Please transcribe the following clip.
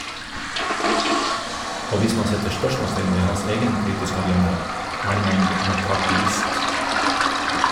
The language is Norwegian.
Og hvis man setter spørsmålstegn ved hans egen politiske agenda, er man mccarthyist.